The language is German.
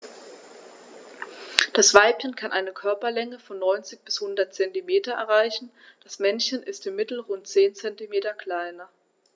Das Weibchen kann eine Körperlänge von 90-100 cm erreichen; das Männchen ist im Mittel rund 10 cm kleiner.